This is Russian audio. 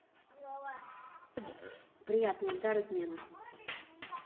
приятный ильдар измены